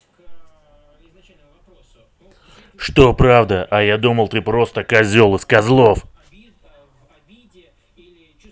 что правда а я думал ты просто козел из козлов